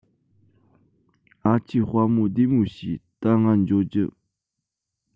ཨ ཆེ དཔའ མོ བདེ མོ བྱོས ད ང འགྱོ རྒྱུ